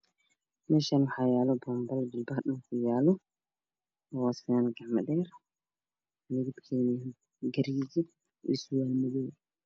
Meeshan waxaa yaalo bobale jilbaha dhulka uyaalo waa funad gacmo dheer midabkeedu gariijo yahay iyo surwal madoow